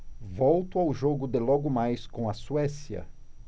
volto ao jogo de logo mais com a suécia